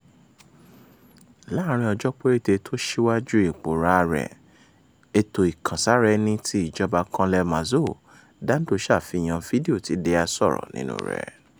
Láàrin ọjọ́ péréte tó ṣíwájú ìpòóráa rẹ̀, ètò ìkàn-sára- ẹni ti ìjọba Con el Mazo Dando ṣàfihàn fídíò tí Díaz sọ̀rọ̀ nínúu rẹ̀.